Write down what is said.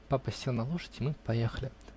Папа сел на лошадь, и мы поехали.